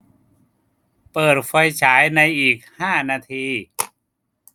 เปิดไฟฉายในอีกห้านาที